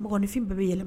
Mɔgɔninfin bɛɛ bɛ yɛlɛma